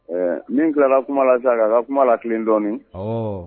Min tilara kuma la sa k ka ka kuma lalen dɔɔnin